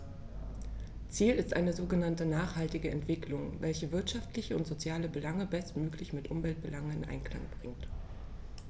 Ziel ist eine sogenannte nachhaltige Entwicklung, welche wirtschaftliche und soziale Belange bestmöglich mit Umweltbelangen in Einklang bringt.